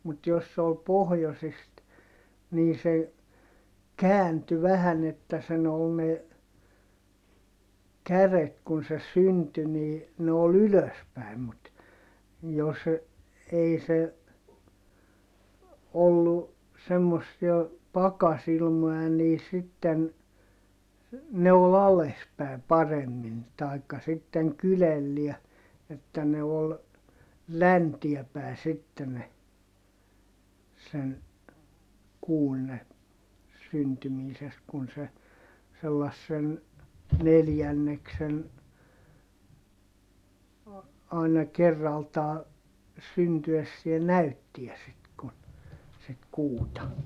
mutta jos se oli pohjoisesta niin se kääntyi vähän että sen oli ne kädet kun se syntyi niin ne oli ylös päin mutta jos ei se ollut semmoisia pakkasilmoja niin sitten ne oli alas päin paremmin tai sitten kyljellään että ne oli länteen päin sitten ne sen kuun ne syntymisestä kun se sellaisen neljänneksen aina kerraltaan syntyessään näytti sitten kun sitä kuuta